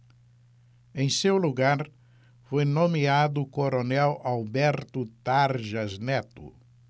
em seu lugar foi nomeado o coronel alberto tarjas neto